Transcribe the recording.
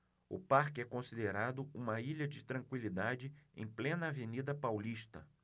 o parque é considerado uma ilha de tranquilidade em plena avenida paulista